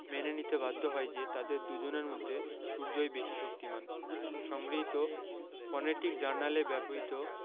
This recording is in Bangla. মেনে নিতে বাধ্য হয় যে তাদের দুজনের মধ্যে সূর্যই বেশি শক্তিমান সংগৃহীত ফনেটিক জার্নালে ব্যবহিত